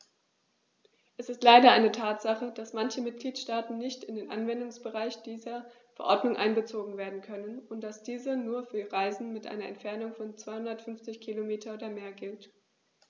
Es ist leider eine Tatsache, dass manche Mitgliedstaaten nicht in den Anwendungsbereich dieser Verordnung einbezogen werden können und dass diese nur für Reisen mit einer Entfernung von 250 km oder mehr gilt.